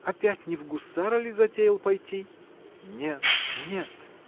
— Опять не в гусары ли затеял пойти? — Нет, нет!